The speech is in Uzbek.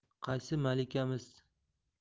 qaysi malikamiz